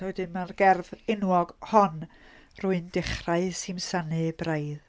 A wedyn mae'r gerdd enwog Hon, "rwy'n dechrau Simsanu braidd"